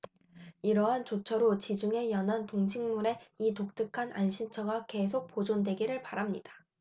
이러한 조처로 지중해 연안 동식물의 이 독특한 안식처가 계속 보존되기를 바랍니다